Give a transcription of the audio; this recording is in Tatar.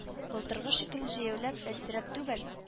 Былтыргы шикелле җәяүләп, әлсерәп түгел